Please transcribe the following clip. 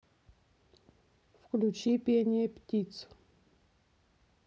включи пение птиц